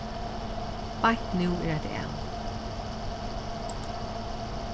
beint nú er eitt æl